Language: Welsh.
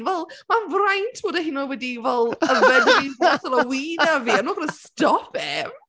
Fel, mae’n fraint fod o hyd yn oed wedi fel, yfed yr un botel o win a fi, I’m not going to stop him!